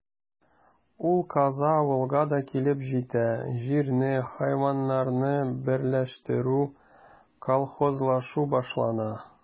Ул каза авылга да килеп җитә: җирне, хайваннарны берләштерү, колхозлашу башлана.